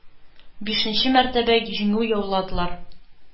Бишенче мәртәбә җиңү яуладылар